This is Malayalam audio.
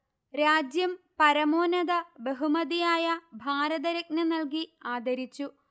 രാജ്യം പരമോന്നത ബഹുമതിയായ ഭാരതരത്ന നൽകി ആദരിച്ചു